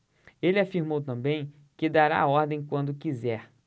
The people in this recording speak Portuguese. ele afirmou também que dará a ordem quando quiser